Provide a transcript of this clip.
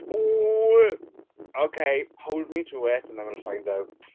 Www, ok, hold me to it and then we'll find out.